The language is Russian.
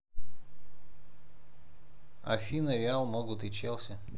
афина реал могут и челси